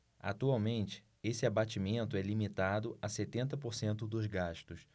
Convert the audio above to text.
atualmente esse abatimento é limitado a setenta por cento dos gastos